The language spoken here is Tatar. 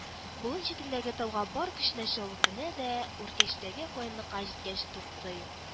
Болын читендәге тауга бар көченә чабып менә дә, үркәчтәге каенлыкка җиткәч туктый